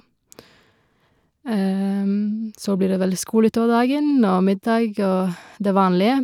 Så blir det vel skole utover dagen og middag og det vanlige.